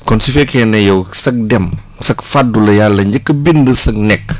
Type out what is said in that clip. kon su fekkee ne yow sag dem sag faddu la yàlla njëkk a bind sag nekk